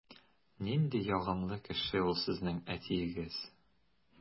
Нинди ягымлы кеше ул сезнең әтиегез!